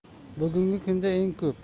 bugungi kunda eng ko'p